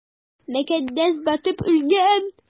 Мөкаддәс батып үлгән!